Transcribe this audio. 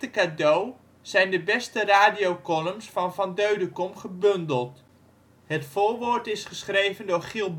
cadeau zijn de beste radiocolumns van Van Deudekom gebundeld. Het voorwoord is geschreven door Giel